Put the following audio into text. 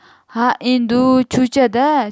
ha endu cho'cha da